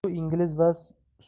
bu ingliz va